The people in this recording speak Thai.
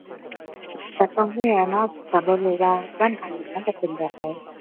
ก็ต้องมีล่ะเนาะ ก็บ่รู้ว่าวันข้างหน้ามันจะเป็นแบบใด